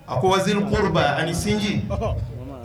A ko ani sinji ɔhɔɔ